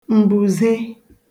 m̀bụ̀ze